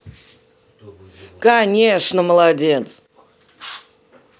конечно молодец